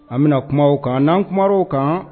An bɛna kuma kan n'an kuma kan